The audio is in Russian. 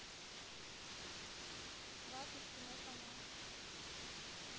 сваты прямой канал